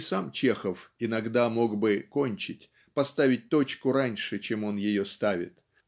и сам Чехов иногда мог бы кончить поставить точку раньше чем он ее ставит.